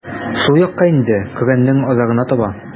Сул якка инде, Коръәннең азагына таба.